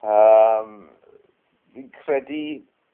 ...yym fi'n credu